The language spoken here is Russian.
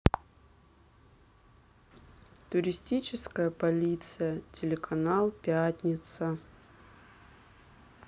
туристическая полиция телеканал пятница